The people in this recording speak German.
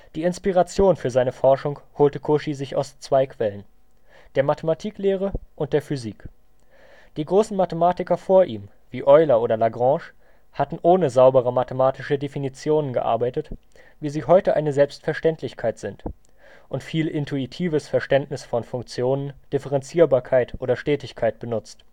Die Inspiration für seine Forschung holte Cauchy sich aus zwei Quellen: der Mathematiklehre und der Physik. Die großen Mathematiker vor ihm, wie Euler oder Lagrange, hatten ohne saubere mathematische Definitionen gearbeitet, wie sie heute eine Selbstverständlichkeit sind, und viel intuitives Verständnis von Funktionen, Differenzierbarkeit oder Stetigkeit benutzt